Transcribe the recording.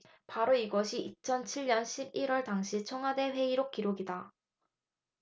바로 이것이 이천 칠 년 십 일 월 당시 청와대 회의록 기록이다